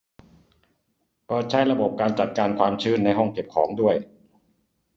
เปิดใช้ระบบการจัดการความชื้นในห้องเก็บของด้วย